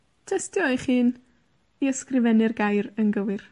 Testio eich hun i ysgrifennu'r gair yn gywir.